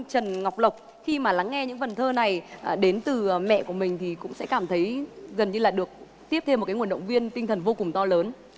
trần ngọc lộc khi mà lắng nghe những vần thơ này đến từ mẹ của mình thì cũng sẽ cảm thấy gần như là được tiếp thêm nguồn động viên tinh thần vô cùng to lớn